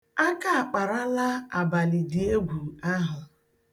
Aka akparala abalịdịegwu ahụ.